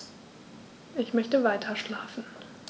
Ich möchte weiterschlafen.